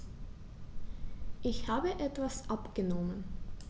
Ich habe etwas abgenommen.